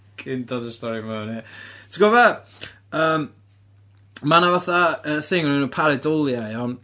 Cyn dod â'r stori yma i-... Ti'n gwybod be yym mae 'na fatha yy thing o'r enw Pareidolia iawn?